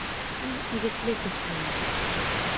Мин ирекле кеше ич.